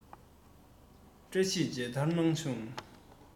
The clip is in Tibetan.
བཀྲ ཤིས མཇལ དར གནང བྱུང